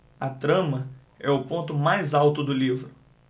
a trama é o ponto mais alto do livro